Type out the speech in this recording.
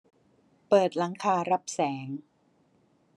เปิดหลังคารับแสง